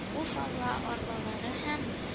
Уфалла арбалары һәм